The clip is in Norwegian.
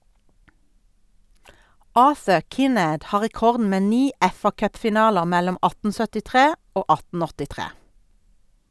Arthur Kinnaird har rekorden med ni FA-cupfinaler mellom 1873 og 1883.